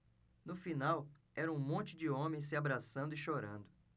no final era um monte de homens se abraçando e chorando